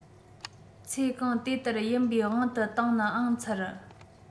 ཚེ གང དེ ལྟར ཡིན པའི དབང དུ བཏང ནའང ཚར